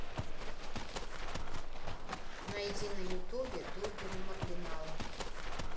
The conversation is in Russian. найди на ютубе дугин у маргинала